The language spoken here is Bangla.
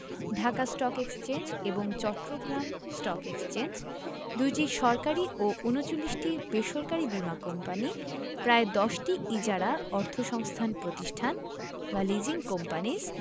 ঢাকা স্টক এক্সচেঞ্জ এবং চট্টগ্রাম স্টক এক্সচেঞ্জ ২টি সরকারি ও ৩৯টি বেসরকারি বীমা কোম্পানি প্রায় ১০টি ইজারা অর্থসংস্থান প্রতিষ্ঠান লিজিং কোম্পানিস